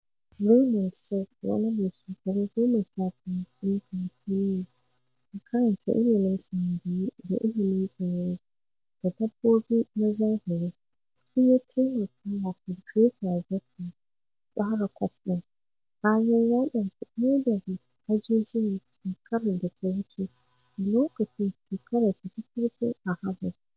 Raymond So, wani mai shekaru 19 ɗan California mai karanta ilmin sinadarai da ilmin tsirrai da dabbobi na zahiri, shi ya taimaka wa Farfesa Czeisler tsara kwas ɗin, bayan ya ɗauki ɗaya daga ajizuwan shekarar da ta wuce a lokacin shekararsa ta farko a Harvard.